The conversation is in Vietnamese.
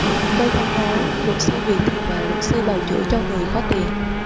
tôi không nói luật sư vì tiền mà luật sư bào chữa cho người có tiền